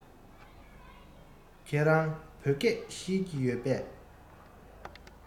ཁྱེད རང བོད སྐད ཤེས ཀྱི ཡོད པས